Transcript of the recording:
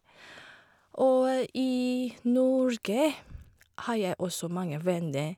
Og i Norge har jeg også mange venner.